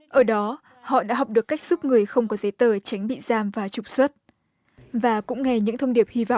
ở đó họ đã học được cách giúp người không có giấy tờ tránh bị giảm và trục xuất và cũng nghe những thông điệp hy vọng